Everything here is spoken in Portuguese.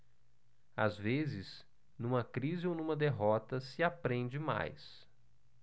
às vezes numa crise ou numa derrota se aprende mais